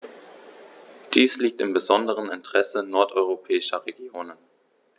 Dies liegt im besonderen Interesse nordeuropäischer Regionen.